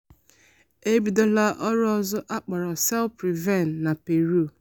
E bidola ọrụ ọzọ akpọrọ Cell-PREVEN na Peru.